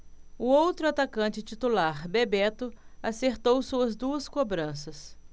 o outro atacante titular bebeto acertou suas duas cobranças